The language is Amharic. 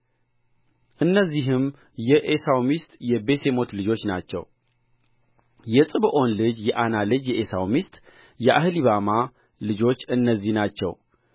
እነዚህም የዔሳው ሚስት የቤሴሞት ልጆች ናቸው የፅብዖን ልጅ የዓና ልጅ የዔሳው ሚስት የአህሊባማ ልጆች እነዚህ ናቸው